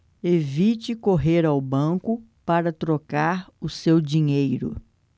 evite correr ao banco para trocar o seu dinheiro